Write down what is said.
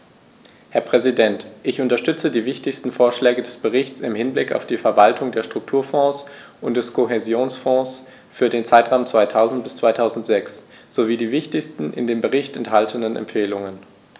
Herr Präsident, ich unterstütze die wichtigsten Vorschläge des Berichts im Hinblick auf die Verwaltung der Strukturfonds und des Kohäsionsfonds für den Zeitraum 2000-2006 sowie die wichtigsten in dem Bericht enthaltenen Empfehlungen.